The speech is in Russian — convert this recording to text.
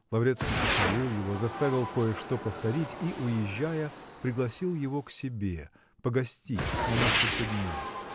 Лаврецкий похвалил его, заставил кое-что повторить и, уезжая, пригласил его к себе погостить на несколько дней.